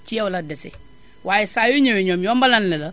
ci yow la desee waaye saa yoo ñëwee ñoom yombalal ne la